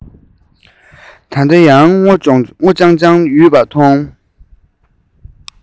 རླུང བུས གཡོ བའི སྙེ མ དང